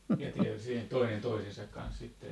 ja tietysti siinä toinen toisensa kanssa sitten